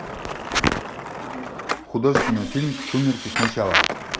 художественный фильм сумерки сначала